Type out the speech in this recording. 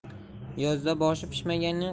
yozda boshi pishmaganning